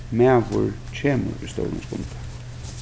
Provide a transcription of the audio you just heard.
maður kemur í stórum skundi